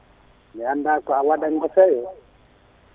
mi anda ko a waɗan *